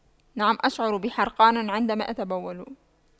نعم أشعر بحرقان عندما أتبول